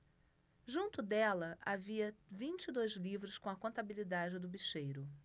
junto dela havia vinte e dois livros com a contabilidade do bicheiro